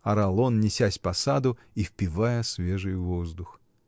— орал он, несясь по саду и впивая свежий воздух.